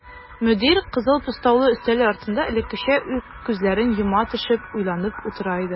Мөдир кызыл постаулы өстәле артында элеккечә үк күзләрен йома төшеп уйланып утыра иде.